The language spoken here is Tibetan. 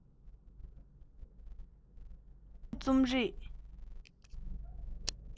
རང མོས རྩོམ རིག